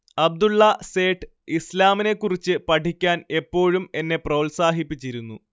അബ്ദുള്ള സേഠ് ഇസ്ലാമിനെക്കുറിച്ച് പഠിക്കാൻ എപ്പോഴും എന്നെ പ്രോത്സാഹിപ്പിച്ചിരുന്നു